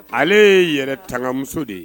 Ale ye yɛrɛ tangamuso de ye